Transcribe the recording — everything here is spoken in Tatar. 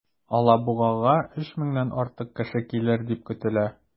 Алабугага 3 меңнән артык кеше килер дип көтелә.